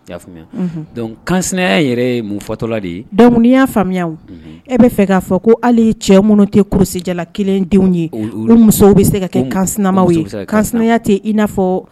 I y'a famuya? kansinaya yɛrɛ ye mun fɔtɔla de ye? donc n'i ya famuya wo, e bɛ fɛ k'a fɔ ko hali cɛ minnu tɛ kurusijala kelen denw ye. O musow bɛ se ka kɛ kansinamaw ye. Kansinaya tɛ ina fɔ.